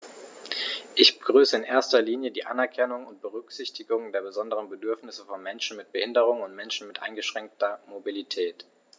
Ich begrüße in erster Linie die Anerkennung und Berücksichtigung der besonderen Bedürfnisse von Menschen mit Behinderung und Menschen mit eingeschränkter Mobilität.